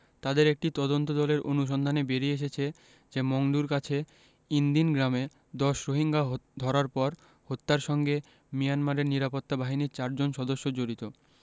তাদের একটি তদন্তদলের অনুসন্ধানে বেরিয়ে এসেছে যে মংডুর কাছে ইনদিন গ্রামে ১০ রোহিঙ্গা ধরার পর হত্যার সঙ্গে মিয়ানমারের নিরাপত্তা বাহিনীর চারজন সদস্য জড়িত